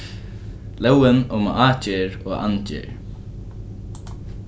lógin um ágerð og andgerð